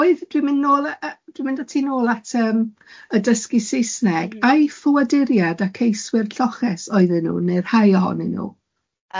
Oedd dwi'n mynd nôl yy yy dwi'n mynd a ti nôl at yym y dysgu Saesneg. M-hm. A'i fywadyriad a ceiswyr lloches oedden nhw, neu rhai ohonyn nhw?